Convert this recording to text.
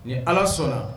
Ni allah sɔnna